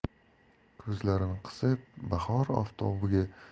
ko'zlarini qisib bahor oftobiga